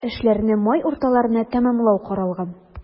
Эшләрне май урталарына тәмамлау каралган.